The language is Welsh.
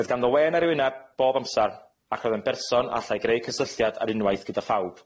Roedd ganddo wên ar ei wyneb bob amsar, ac roedd yn berson a allai greu cysylltiad ar unwaith gyda phawb.